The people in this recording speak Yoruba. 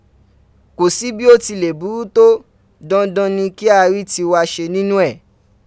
Kò sí bí ó ti lè burú tó, dadan ni kí a rí tiwa ṣe nínú ẹ̀.